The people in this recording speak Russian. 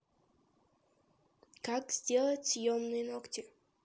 как сделать съемные ногти